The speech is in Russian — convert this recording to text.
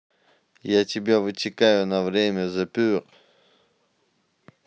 я тебя вытекаю на время the pure